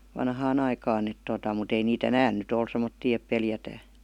vanhaan aikaan että tuota mutta ei niitä enää nyt ole semmoisia että pelätään